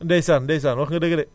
ndeysaan ndeysaan wax nga dëgg de